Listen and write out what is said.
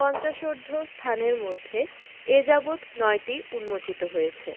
পঞ্চাশোর্ধ্ব স্থানের মধ্যে এ যাবৎ নয়টি উন্মোচিত হয়েছে